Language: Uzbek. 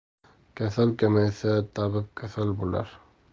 kasal kamaysa tabib kasal bo'lar